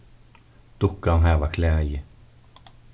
dukkan hava klæði